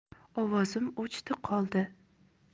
ovozim o'chdi qoldi